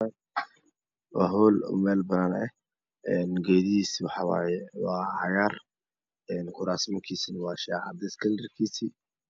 Waa hool oo meel panaa ah geedaheesa waa cagar kuras mankiisna waa shaah cadees klarkiisna